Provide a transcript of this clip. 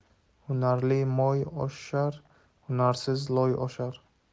hunarli moy oshar hunarsiz loy oshar